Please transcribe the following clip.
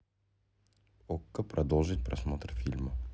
окко продолжить просмотр фильма